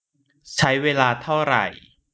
ใช้เวลาเท่าไหร่